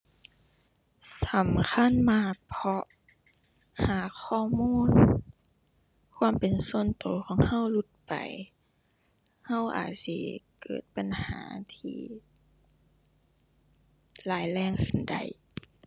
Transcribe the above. สำคัญมาก เพราะหากข้อมูลความเป็นส่วนตัวของตัวหลุดไป ตัวอาจสิเกิดปัญหาที่ร้ายแรงขึ้นได้